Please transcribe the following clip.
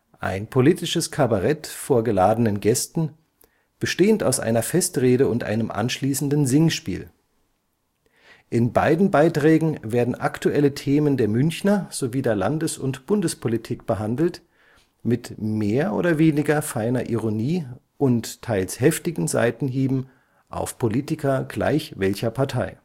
ein politisches Kabarett vor geladenen Gästen, bestehend aus einer Festrede und einem anschließenden Singspiel. In beiden Beiträgen werden aktuelle Themen der Münchner sowie der Landes - und Bundespolitik behandelt, mit mehr oder weniger feiner Ironie und teils heftigen Seitenhieben auf Politiker gleich welcher Partei